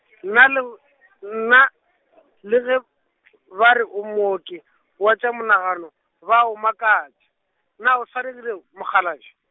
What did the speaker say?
nna le, nna, le ge , ba re o mooki wa tša monagano, ba a mmakatša, na o swaregile mokgalabje?